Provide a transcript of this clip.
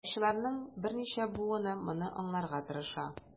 Тарихчыларның берничә буыны моны аңларга тырыша.